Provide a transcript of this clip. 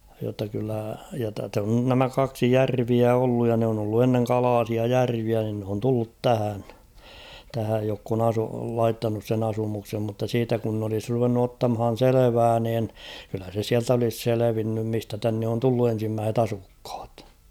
jotta kyllä ja tässä on nämä kaksi järveä ollut ja ne on ollut ennen kalaisia järviä niin ne on tullut tähän tähän jotka on - laittanut sen asumuksen mutta siitä kun nyt olisi ruvennut ottamaan selvää niin kyllä se sieltä olisi selvinnyt mistä tänne on tullut ensimmäiset asukkaat